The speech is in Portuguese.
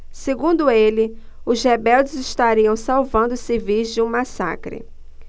segundo ele os rebeldes estariam salvando os civis de um massacre